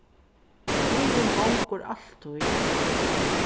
tíðin gongur altíð